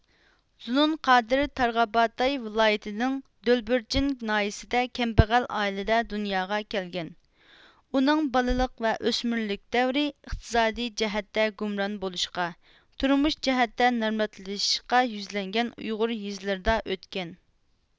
زۇنۇن قادىر تارباغاتاي ۋىلايىتىنىڭ دۆربىلجىن ناھىيىسىدە كەمبەغەل ئائىلىدە دۇنياغا كەلگەن ئۇنىڭ بالىلىق ۋە ئۆسمۈرلۈك دەۋرى ئىقتىسادىي جەھەتتە گۇمران بولۇشقا تۇرمۇش جەھەتتە نامراتلىشىشقا يۈزلەنگەن ئۇيغۇر يېزىلىرىدا ئۆتكەن